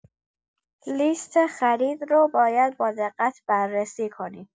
لیست خرید رو باید با دقت بررسی کنیم.